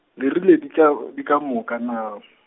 le rile di ka , di ka moka naa ?